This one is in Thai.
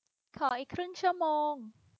ขออีกครึ่งชั่วโมง